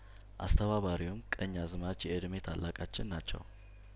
አስተባባሪውም ቀኝ አዝማች የእድሜ ታላቃችን ናቸው